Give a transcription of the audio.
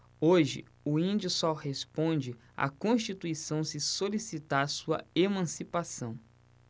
hoje o índio só responde à constituição se solicitar sua emancipação